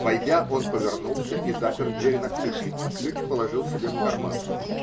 войдя, он повернулся и запер дверь на ключ, а ключ положил к себе в карман.